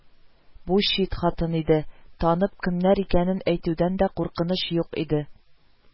Бу чит хатын иде, танып кемнәр икәнен әйтүдән дә куркыныч юк иде